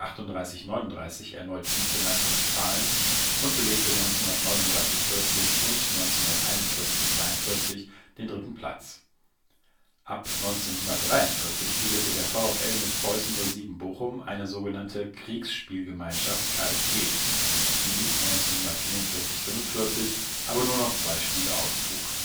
in der Saison 1938 / 39 erneut Vizemeister Westfalens und belegte 1939 / 40 und 1941 / 42 den dritten Platz. Ab 1943 bildete der VfL mit Preußen 07 Bochum eine so genannte Kriegsspielgemeinschaft (KSG), die 1944 / 45 aber nur noch zwei Spiele austrug